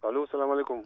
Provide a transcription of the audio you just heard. allo salaamaaleykum